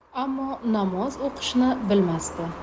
ammo namoz o'qishni bilmasdi